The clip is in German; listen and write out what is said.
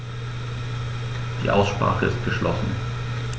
Die Aussprache ist geschlossen.